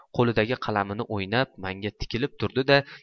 qo'lidagi qalamini o'ynab manga tikilib turdi da